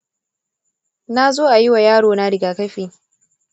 nazo ayi wa yaro na rigakafi.